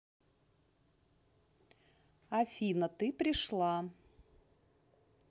афина ты пришла